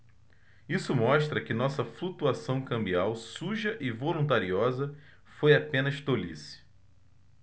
isso mostra que nossa flutuação cambial suja e voluntariosa foi apenas tolice